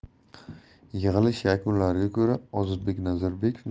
yig'ilish yakunlariga ko'ra ozodbek